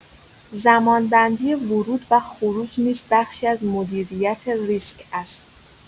زمان‌بندی ورود و خروج نیز بخشی از مدیریت ریسک است.